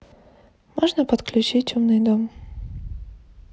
можно подключить умный дом